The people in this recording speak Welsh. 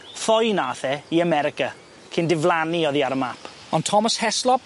Ffoi nath e i America cyn diflannu oddi ar y map ond Thomas Heslop?